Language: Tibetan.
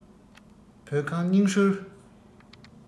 བོད ཁང སྙིང ཧྲུལ